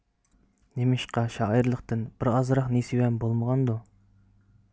نېمىشقا شائىرلىقتىن بىر ئازراق نېسىۋەم بولمىغاندۇ